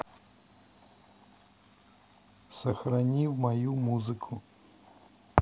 сохрани в мою музыку